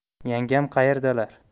yangam qaerdalar